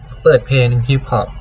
เปิดเพลงฮิปฮอป